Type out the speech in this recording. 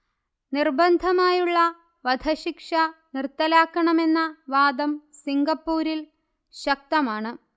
നിർബന്ധമായുള്ള വധശിക്ഷ നിർത്തലാക്കണമെന്ന വാദം സിംഗപ്പൂരിൽ ശക്തമാണ്